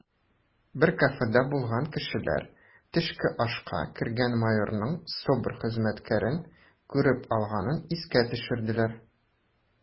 Бер кафеда булган кешеләр төшке ашка кергән майорның СОБР хезмәткәрен күреп алганын искә төшерәләр: